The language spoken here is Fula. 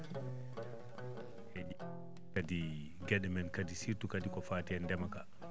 kadi geɗe men kadi surtout kadi ko fati e ndema kaa